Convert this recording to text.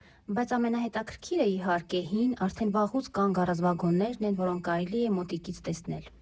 Բայց ամենահետաքրքիրը, իհարկե, հին, արդեն վաղուց կանգ առած վագոններն են, որոնք կարելի է մոտիկից տեսնել։